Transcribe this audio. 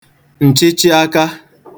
ǹchịchị aka